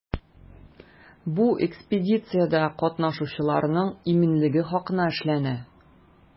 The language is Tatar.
Бу экспедициядә катнашучыларның иминлеге хакына эшләнә.